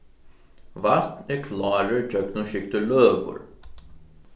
vatn er klárur gjøgnumskygdur løgur